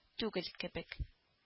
Түгел кебек…